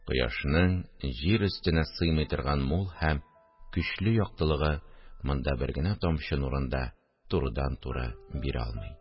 Кояшның җир өстенә сыймый торган мул һәм көчле яктылыгы монда бер генә тамчы нурын да турыдан-туры бирә алмый